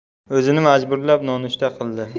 uzini majburlab nonushta qildi